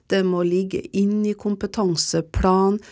det må ligge inn i kompetanseplan.